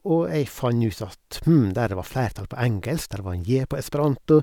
Og jeg fant ut at, hm, der det var flertall på engelsk, der var en j på esperanto.